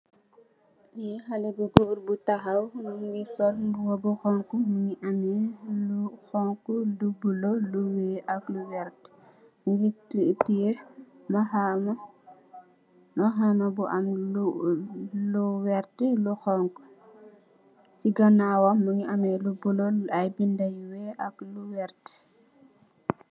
Li xale bu góor bu taxaw mongi sol mbuba bu xonxa mongi amex lu xonxu lu bulu lu weex ak lu wertax mongi tiyex tiyex maxaama maxaama bo am lu lu wertax lu xonxa si ganawam mongi ame lu bulu ay binda yu weex ak lu wertax.